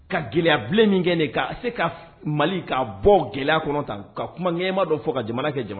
Ka gɛlɛya bilen min kɛ ni ye ka se ka Mali k'a bɔ gɛlɛya kɔnɔ tan ka kuma ŋɛɲɛma dɔ fɔ ka jamana kɛ jamana